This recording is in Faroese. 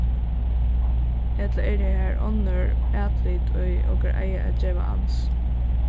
ella eru har onnur atlit ið okur eiga at geva ans